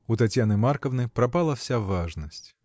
У Татьяны Марковны пропала вся важность.